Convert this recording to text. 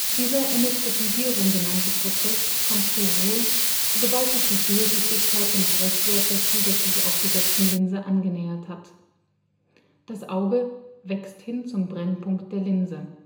Dieser Emmetropisierung genannte Prozess kommt zur Ruhe, sobald sich die Fehlsichtigkeit dem Brechwert der zusätzlich aufgesetzten Linse angenähert hat: das Auge „ wächst hin zum Brennpunkt der Linse